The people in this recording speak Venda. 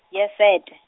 yesete.